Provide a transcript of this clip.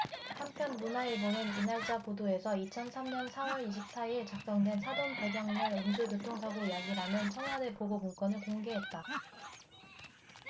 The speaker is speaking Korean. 한편 문화일보는 이날자 보도에서 이천 삼 년 사 월 이십 사 일 작성된 사돈 배병렬 음주교통사고 야기라는 청와대 보고 문건을 공개했다